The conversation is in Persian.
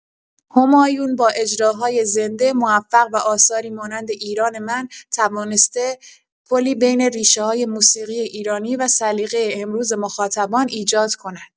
همایون با اجراهای زنده موفق و آثاری مانند ایران من توانسته پلی بین ریشه‌های موسیقی ایرانی و سلیقه امروز مخاطبان ایجاد کند.